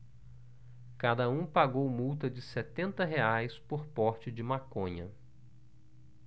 cada um pagou multa de setenta reais por porte de maconha